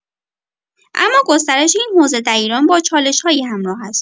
اما گسترش این حوزه در ایران با چالش‌هایی همراه است.